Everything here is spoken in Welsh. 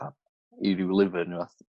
fatha i ryw lyfr ne' wbath